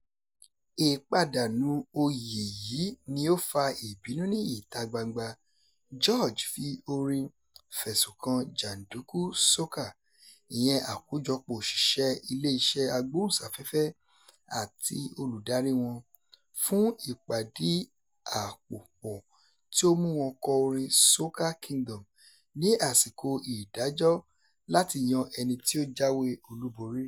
Ìpàdánù oyè yìí ni ó fa ìbínú ní ìta-gbangba, George fi orin fẹ̀sùn kan “jàndùkú soca” – ìyẹn àkójọpọ̀ òṣìṣẹ́ ilé iṣẹ́ agbóhùnsáfẹ́fẹ́ àti olùdaríI wọn – fún ìpàdíàpòpọ̀ tí ó mú wọn kọ orin “Soca Kingdom” ní àsìkò ìdájọ́ láti yan ẹni tí ó jáwé olúborí.